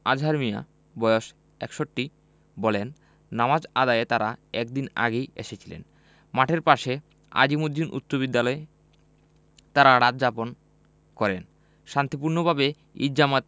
আজহার মিয়া বয়স ৬১ বলেন নামাজ আদায়ে তাঁরা এক দিন আগেই এসেছিলেন মাঠের পাশে আজিমুদ্দিন উচ্চবিদ্যালয়ে তাঁরা রাত যাপন করেন শান্তিপূর্ণভাবে ঈদ জামাত